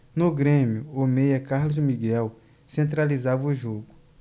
no grêmio o meia carlos miguel centralizava o jogo